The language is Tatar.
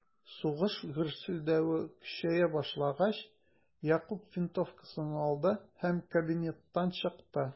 Сугыш гөрселдәве көчәя башлагач, Якуб винтовкасын алды һәм кабинеттан чыкты.